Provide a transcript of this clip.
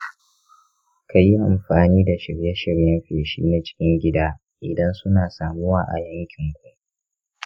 ka yi amfani da shirye-shiryen feshi na cikin gida idan suna samuwa a yankinku.